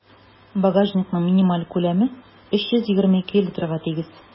Багажникның минималь күләме 322 литрга тигез.